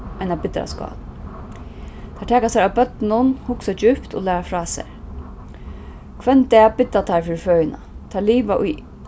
eina biddaraskál teir taka sær av børnum hugsa djúpt og læra frá sær hvønn dag bidda teir fyri føðina teir liva í